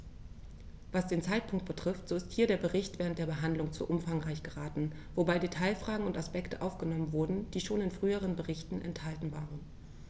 Was den Zeitpunkt betrifft, so ist hier der Bericht während der Behandlung zu umfangreich geraten, wobei Detailfragen und Aspekte aufgenommen wurden, die schon in früheren Berichten enthalten waren.